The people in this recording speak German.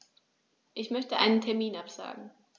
Ich möchte einen Termin absagen.